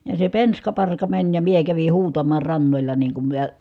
ja se penska parka meni ja minä kävin huutamaan rannalla niin kun minä